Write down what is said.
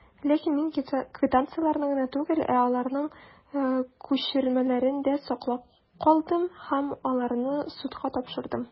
Ләкин мин квитанцияләрне генә түгел, ә аларның күчермәләрен дә саклап калдым, һәм аларны судка тапшырдым.